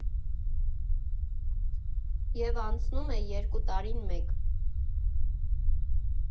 ԵՒ անցնում է երկու տարին մեկ։